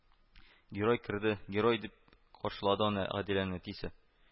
– герой керде, герой, – дип каршылады аны гадиләнең әтисе